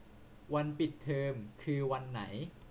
วันปิดเทอมคือวันไหน